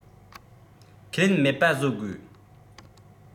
ཁས ལེན མེད པ བཟོས དགོ